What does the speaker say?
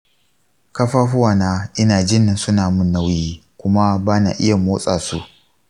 kafafuwa na inajin sunamun nauyi kuma bana iya motsa su.